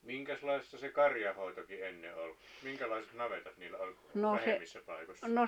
minkäslaista se karjanhoitokin ennen oli minkälaiset navetat niillä oli vähemmissä paikoissa